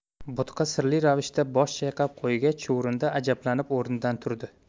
bo'tqa sirli ravishda bosh chayqab qo'ygach chuvrindi ajablanib o'rnidan turdi